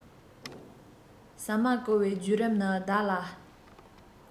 ཟ མ བརྐུ བའི བརྒྱུད རིམ ནི བདག ལ